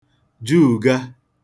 juùga